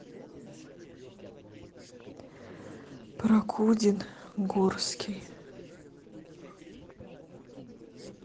прокудин горский